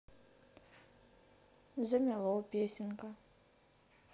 замело песенка